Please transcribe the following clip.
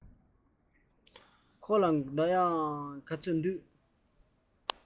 ཁོ ལ སྒོར ག ཚོད འདུག གམ